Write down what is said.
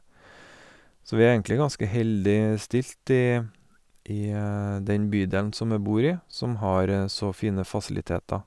Så vi er egentlig ganske heldig stilt i i den bydelen som jeg bor i, som har så fine fasiliteter.